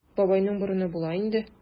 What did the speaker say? Бабайның борыны була инде.